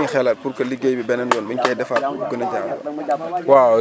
tey loo ñuy xelal pour que liggéey bi beneen yoon bu ñu koy defaat mu gën a jaar yoon